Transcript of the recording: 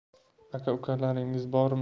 aka ukalaringiz bormi